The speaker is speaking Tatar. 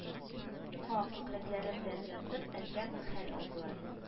Ка күкрәкләре белән ятып, әзрәк хәл алдылар